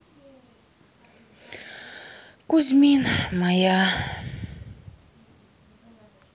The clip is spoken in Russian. кузьмин моя